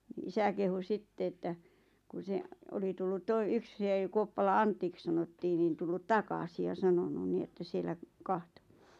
no isä kehui sitten että kun se oli tullut - yksi se Kuoppalan Antiksi sanottiin niin tullut takaisin ja sanonut niin että siellä katsoi